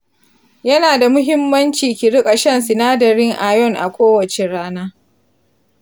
yana da muhimmanci ki riƙa shan sinadarin iron a kowace rana.